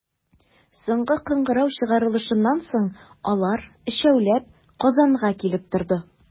Соңгы кыңгырау чыгарылышыннан соң, алар, өчәүләп, Казанга килеп торды.